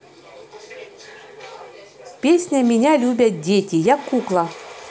песня меня любят дети я кукла